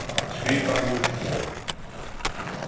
skriva nýggj boð